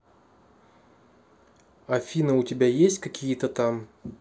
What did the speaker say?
афина у тебя есть какие то там